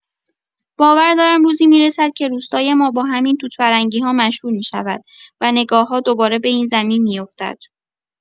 باور دارم روزی می‌رسد که روستای ما با همین توت‌فرنگی‌ها مشهور می‌شود و نگاه‌ها دوباره به این زمین می‌افتد.